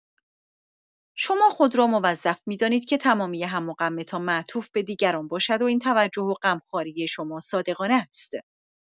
شما خود را موظف می‌دانید که تمامی هم‌وغم‌تان معطوف به دیگران باشد و این توجه و غم‌خواری شما صادقانه است.